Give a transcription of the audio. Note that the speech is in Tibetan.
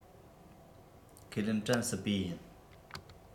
ཁས ལེན དྲན སྲིད པས ཡིན